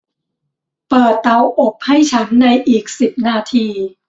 เปิดเตาอบให้ฉันในอีกสิบนาที